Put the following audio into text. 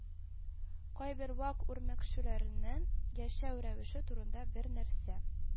Кайбер вак үрмәкүчләрнең яшәү рәвеше турында бернәрсә